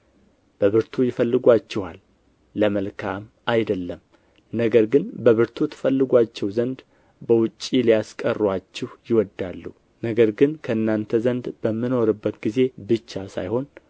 በብርቱ ይፈልጉአችኋል ለመልካም አይደለም ነገር ግን በብርቱ ትፈልጉአቸው ዘንድ በውጭ ሊያስቀሩአችሁ ይወዳሉ ነገር ግን ከእናንተ ዘንድ በምኖርበት ጊዜ ብቻ ሳይሆን